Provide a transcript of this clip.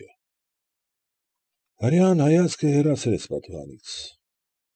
Չէ… Հրեան հայացքը հեռացրեց պատուհանից։